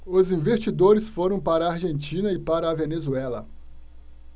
os investidores foram para a argentina e para a venezuela